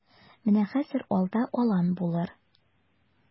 Менә хәзер алда алан булыр.